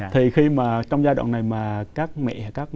thì khi mà trong giai đoạn này mà các mẹ các